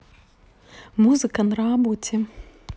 музыка на работе